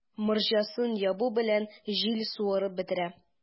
Морҗасын ябу белән, җил суырып бетерә.